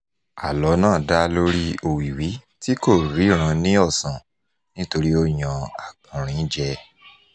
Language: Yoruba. Àlọ́ náà dá lóríi òwìwí tí kò ríran ní ọ̀sán nítorí ó yan àgbọ̀nrín jẹ.